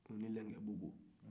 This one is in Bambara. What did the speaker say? ani lɛnkɛbobo